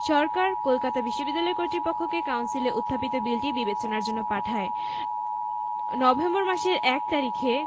সরকার কলকাতা বিশ্ববিদ্যালয় কর্তৃপক্ষকে কাউন্সিলে উত্থাপিত বিলটি বিবেচনার জন্য পাঠায় নভেম্বর মাসের ১ তারিখে